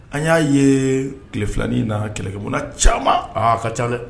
An y'a ye tilefiin na kɛlɛkɛbon caman aa ka ca dɛ